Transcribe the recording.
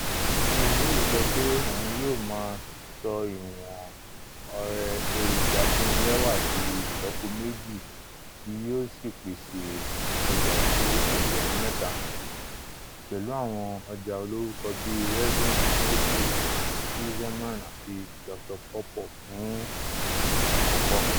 Sainsbury's sọ pé òun yóò máa sọ ìwọn ọrẹ érójà afúnnilẹ́wà di ìlọ́poméjì tí yóò sì pèsè ọjà to ẹgbẹ̀rún mẹ́ta, pẹ̀lú àwọn ọjà olórúkọ bíi Revlon, Essie, Tweezerman àti Dr. PawPaw fún ìgbà àkọ́kọ́.